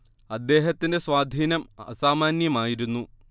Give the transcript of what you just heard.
അദ്ദേഹത്തിന്റെ സ്വാധീനം അസാമാന്യമായിരുന്നു